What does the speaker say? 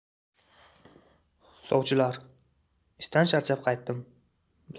sovchilar ishdan charchab qaytdim